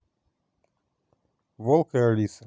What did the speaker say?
волк и лиса